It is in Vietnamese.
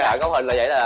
cấu hình là dậy đó hả